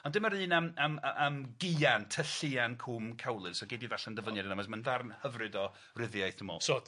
ond dyma'r un am am yy am Gian, tylluan, Cwm Cawlyd, so gei di ddarllen dyfyniad yma, achos ma'n ddarn hyfryd o ryddiaith dwi m'wl. So